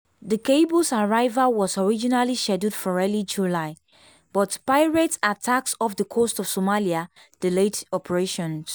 The cable's arrival was originally scheduled for early July, but pirate attacks off the coast of Somalia delayed operations.